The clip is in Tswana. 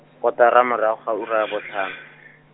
kotara mo raga ura bothang.